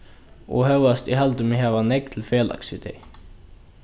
og hóast eg haldi meg hava nógv til felags við tey